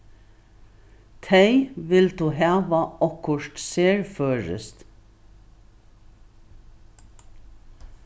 tey vildu hava okkurt serføroyskt